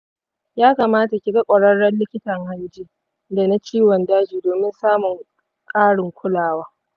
ya kamata kiga kwararren likitan hanji dana ciwon daji domin samun karin kulawa.